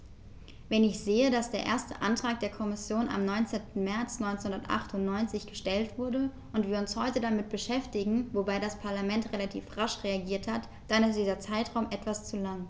Wenn ich sehe, dass der erste Antrag der Kommission am 19. März 1998 gestellt wurde und wir uns heute damit beschäftigen - wobei das Parlament relativ rasch reagiert hat -, dann ist dieser Zeitraum etwas zu lang.